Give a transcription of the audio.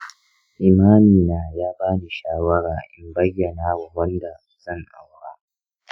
imamina ya ba ni shawara in bayyana wa wanda zan aura.